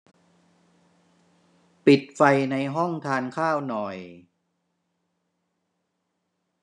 ปิดไฟในห้องทานข้าวหน่อย